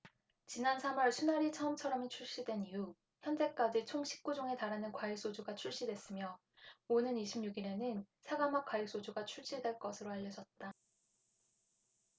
지난 삼 월 순하리 처음처럼이 출시된 이후 현재까지 총 십 구 종에 달하는 과일소주가 출시됐으며 오는 이십 육 일에는 사과맛 과일소주가 출시될 것으로 알려졌다